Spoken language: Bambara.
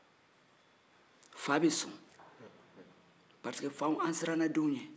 fa bi sɔn parce que faw an sirana denw ɲɛ